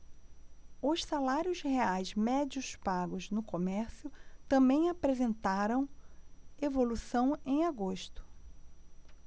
os salários reais médios pagos no comércio também apresentaram evolução em agosto